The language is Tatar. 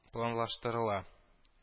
Планлаштырыла